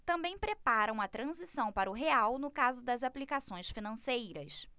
também preparam a transição para o real no caso das aplicações financeiras